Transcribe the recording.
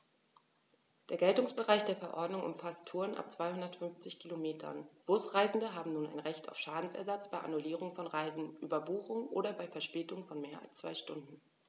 Der Geltungsbereich der Verordnung umfasst Touren ab 250 Kilometern, Busreisende haben nun ein Recht auf Schadensersatz bei Annullierung von Reisen, Überbuchung oder bei Verspätung von mehr als zwei Stunden.